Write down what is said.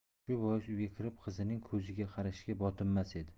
shu bois uyga kirib qizining ko'ziga qarashga botinmas edi